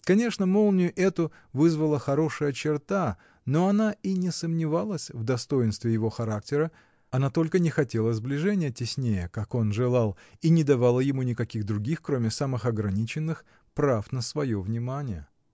Конечно, молнию эту вызвала хорошая черта, но она и не сомневалась в достоинстве его характера, она только не хотела сближения теснее, как он желал, и не давала ему никаких других, кроме самых ограниченных, прав на свое внимание.